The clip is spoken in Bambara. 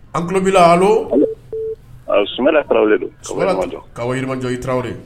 An tulo b'i la, allo, allo, awɔ, Sumala tarawele don ka bɔ Yirimajɔ.